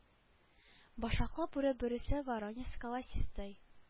Башаклы бүре бөресе воронец колосистый